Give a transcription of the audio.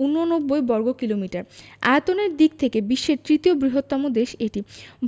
৮৯ বর্গকিলোমিটার আয়তনের দিক থেকে বিশ্বের তৃতীয় বৃহত্তম দেশ এটি